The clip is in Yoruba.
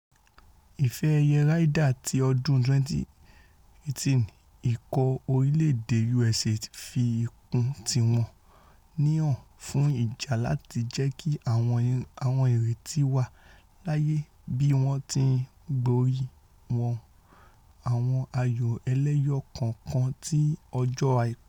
Ife-ẹ̀yẹ Ryder tí ọdún 2018 Ikọ̀ orílẹ̀-èdè USA fi ikùn tíwọ́n ní hàn fún ìjà láti jẹ́kí àwọn ìrètí wà láàyè bí wọ́n ti ńgbórí wọnú àwọn ayò ẹlẹ́yọ-kọ̀ọ̀kan ti ọjọ́ Àìkú